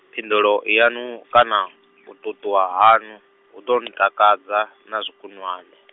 phindulo yaṋu, kana, u tutuwa haṋu, hu ḓo ntakadza, na zwikunwane .